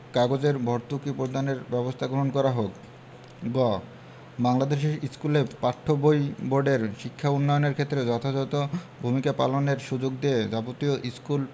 কাগজে ভর্তুকি প্রদানের ব্যবস্থা গ্রহণ করা হোক গ বাংলাদেশের স্কুলে পাঠ্য বই বোর্ডকে শিক্ষা উন্নয়নের ক্ষেত্রে যথাযথ ভূমিকা পালনের সুযোগ দিয়ে যাবতীয় স্কুল